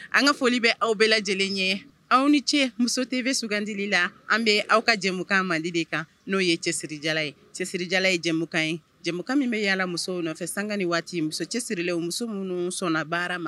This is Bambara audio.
An ka foli bɛ aw bɛɛ lajɛlen ye aw ni cɛ muso te bɛ sdili la an bɛ aw ka jɛmukan mali de kan n'o ye cɛsirija ye cɛsiririjala ye jɛmukan ye jɛkan min bɛ yalalamuso nɔfɛ san ni waati muso cɛsirila muso minnu sɔnnabaa ma